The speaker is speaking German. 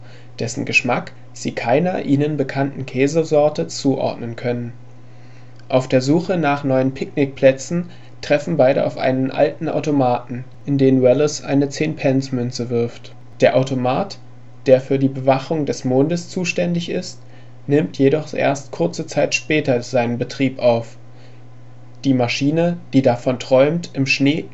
keiner ihnen bekannten Käsesorte zuordnen können. Auf der Suche nach neuen Picknickplätzen treffen beide auf einen alten Automaten, in den Wallace eine 10-Pence-Münze wirft. Der Automat, der für die Bewachung des Mondes zuständig ist, nimmt jedoch erst kurze Zeit später seinen Betrieb auf. Die Maschine, die davon träumt im Schnee